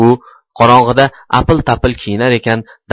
u qorong'ida apil tapil kiyinar ekan